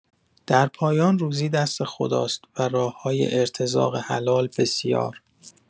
در پایان، روزی دست خداست و راه‌های ارتزاق حلال بسیار.